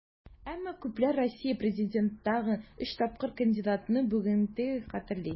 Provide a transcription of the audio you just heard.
Әмма күпләр Россия президентлыгына өч тапкыр кандидатны бүтәнчә хәтерли.